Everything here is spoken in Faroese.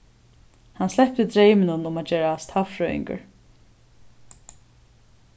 hann slepti dreyminum um at gerast havfrøðingur